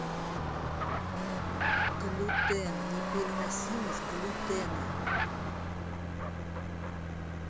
глютен непереносимость глютена